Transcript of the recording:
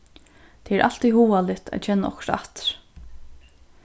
tað er altíð hugaligt at kenna okkurt aftur